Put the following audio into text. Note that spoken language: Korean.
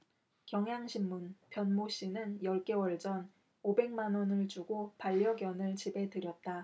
경향신문 변모씨는 열 개월 전 오백 만원을 주고 반려견을 집에 들였다